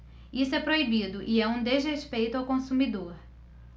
isso é proibido e é um desrespeito ao consumidor